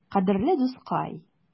Кадерле дускай!